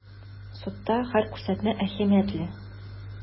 Судта һәр күрсәтмә әһәмиятле.